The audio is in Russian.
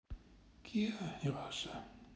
киа раша